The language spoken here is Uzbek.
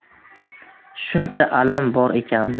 shuncha alami bor ekanmi